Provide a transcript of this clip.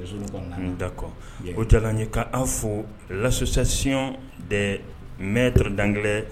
Da o diyara ye'an fo lasosasiyɔn dɛ mɛ d dangɛ